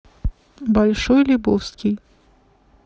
большой лебовский